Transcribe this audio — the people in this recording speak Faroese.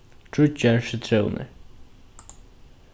tríggjar sitrónir